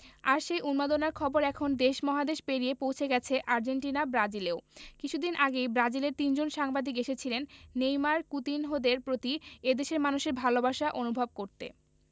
আর সেই উন্মাদনার খবর এখন দেশ মহাদেশ পেরিয়ে পৌঁছে গেছে আর্জেন্টিনা ব্রাজিলেও কিছুদিন আগেই ব্রাজিলের তিনজন সাংবাদিক এসেছিলেন নেইমার কুতিনহোদের প্রতি এ দেশের মানুষের ভালোবাসা অনুভব করতে